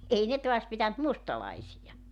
ei ne taas pitänyt mustalaisia